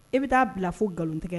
I bɛ taa bila fo nkalontigɛ